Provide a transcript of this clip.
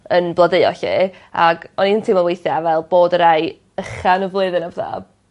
yn blodeuo 'lly ag o'n i'n teimlo weithia fel bod y rai ycha yn y flwyddyn a petha